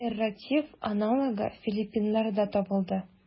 Эрратив аналогы филиппиннарда табылды.